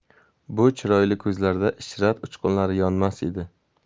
bu chiroyli ko'zlarda ishrat uchqunlari yonmas edi